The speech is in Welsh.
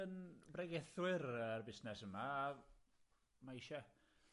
yn bregethwyr y busnes yma a ma' isie